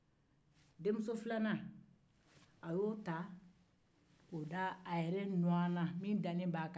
a ye denmuso filanan ta k'o di a yɛrɛ nɔnan ma